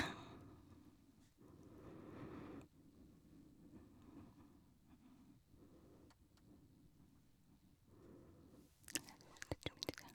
Er det to minutter?